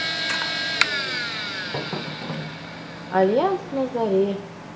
альянс на заре